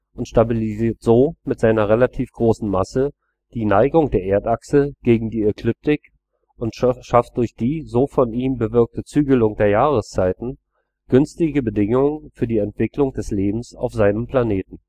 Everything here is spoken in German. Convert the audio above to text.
und stabilisiert so mit seiner relativ großen Masse die Neigung der Erdachse gegen die Ekliptik und schafft durch die so von ihm bewirkte Zügelung der Jahreszeiten günstige Bedingungen für die Entwicklung des Lebens auf seinem Planeten